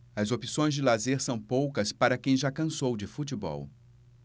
as opções de lazer são poucas para quem já cansou de futebol